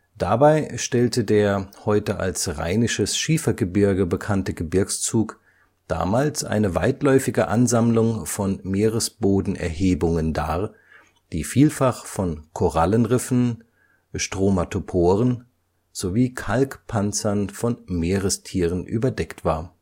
Dabei stellte der heute als Rheinisches Schiefergebirge bekannte Gebirgszug damals eine weitläufige Ansammlung von Meeresbodenerhebungen dar, die vielfach von Korallenriffen, Stromatoporen sowie Kalkpanzern von Meerestieren überdeckt war